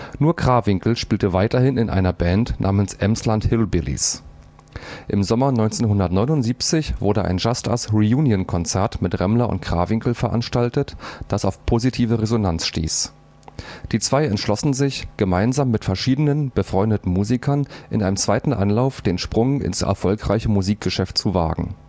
Nur Krawinkel spielte weiterhin in einer Band namens „ Emsland Hillbillies “. Im Sommer 1979 wurde ein „ Just Us “- Reunion-Konzert mit Remmler und Krawinkel veranstaltet, das auf positive Resonanz stieß. Die zwei entschlossen sich, gemeinsam mit verschiedenen befreundeten Musikern in einem zweiten Anlauf den Sprung ins erfolgreiche Musikgeschäft zu wagen